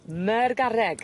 'My'r garreg?